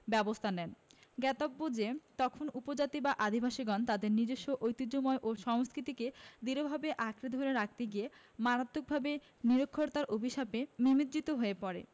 ব্যবস্তা নেন জ্ঞাতব্য যে তখন উপজাতি আদিবাসীগণ তাদের নিজস্ব ঐতিহ্যময় ও সংস্কৃতিকে দৃঢ়ভাবে আঁকড়ে ধরে রাখতে গিয়ে মারাত্মকভাবে নিরক্ষরতার অভিশাপে নিমজিত হয়ে পড়ে